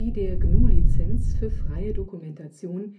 GNU Lizenz für freie Dokumentation